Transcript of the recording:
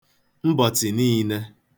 mbọ̀tsị̀ niīnē